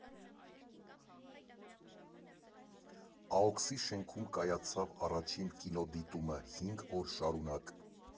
ԱՕՔՍ֊ի շենքում կայացավ առաջին կինոդիտումը՝ հինգ օր շարունակ։